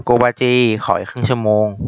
โกวาจีขออีกครึ่งชั่วโมง